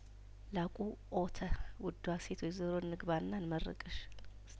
ላቁኦተ ውዷ ሴት ወይዘሮ እንግባና እንመርቅሽ